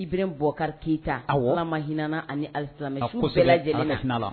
Ib bɛ bɔkari keyita aw ala ma hina ani alisa